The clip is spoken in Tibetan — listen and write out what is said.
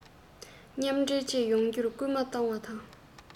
སྤེལ རེས